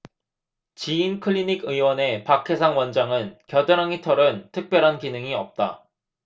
지인클리닉의원의 박해상 원장은 겨드랑이 털은 특별한 기능이 없다